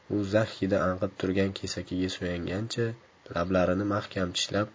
u zax hidi anqib turgan kesakiga suyangancha lablarini mahkam tishlab